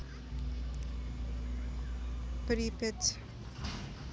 припять